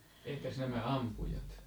entäs nämä ampujat